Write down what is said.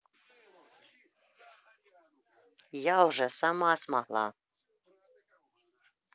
я уже сама смогла